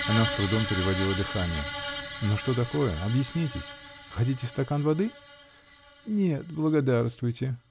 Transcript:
Она с трудом переводила дыхание. -- Но что такое? Объяснитесь! Хотите стакан воды? -- Нет, благодарствуйте.